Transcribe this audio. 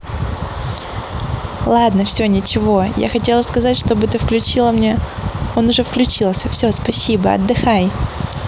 ладно все ничего я хотела сказать чтобы ты включила мне он уже включился все спасибо отдыхай